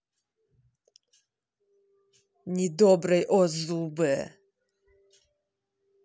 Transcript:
недобрый о зубы